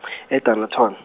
e- Dennilton.